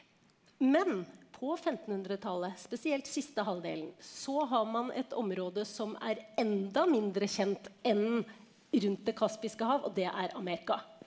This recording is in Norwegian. men på femtenhundretallet spesielt siste halvdelen så har man et område som er enda mindre kjent enn rundt Det kaspiske hav, og det er Amerika.